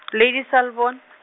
Lady Selbourne.